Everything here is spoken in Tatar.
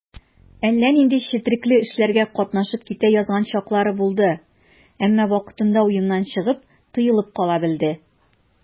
Әллә нинди четрекле эшләргә катнашып китә язган чаклары булды, әмма вакытында уеннан чыгып, тыелып кала белде.